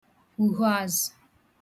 kwùhuàzụ